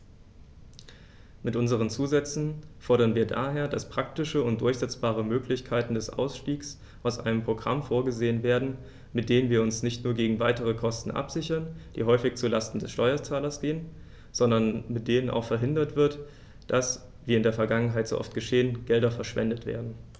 Mit unseren Zusätzen fordern wir daher, dass praktische und durchsetzbare Möglichkeiten des Ausstiegs aus einem Programm vorgesehen werden, mit denen wir uns nicht nur gegen weitere Kosten absichern, die häufig zu Lasten des Steuerzahlers gehen, sondern mit denen auch verhindert wird, dass, wie in der Vergangenheit so oft geschehen, Gelder verschwendet werden.